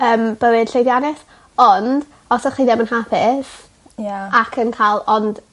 yym bywyd llwyddiannus ond os o'ch chi ddim yn hapus... Ia. ...ac yn ca'l ond